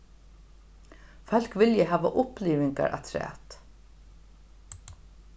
fólk vilja hava upplivingar afturat